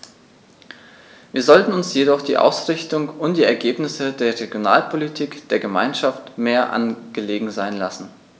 Wir sollten uns jedoch die Ausrichtung und die Ergebnisse der Regionalpolitik der Gemeinschaft mehr angelegen sein lassen.